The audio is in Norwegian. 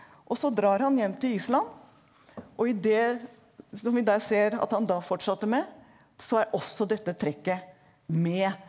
og så drar han hjem til Island og i det som vi da ser at han da fortsatte med så er også dette trekket med.